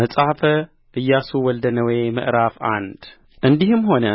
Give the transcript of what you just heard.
መጽሐፈ ኢያሱ ወልደ ነዌ ምዕራፍ አንድ እንዲህም ሆነ